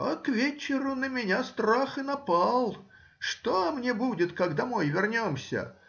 А к вечеру на меня страх и напал: что мне будет, как домой вернемся?